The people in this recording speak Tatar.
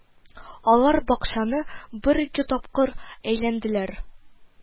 Алар бакчаны бер-ике тапкыр әйләнделәр